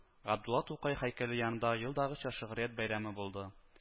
Габдулла Тукай һәйкәле янында елдагыча Шигърият бәйрәме булды